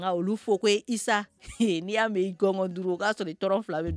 An ka olu fo koyi Isa, n'i y'a mɛn ko gɔngɔn turu o k'a sɔrɔ i ntɔrɔn fila bɛ duguma.